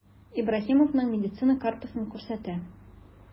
Ибраһимовның медицина картасын күрсәтә.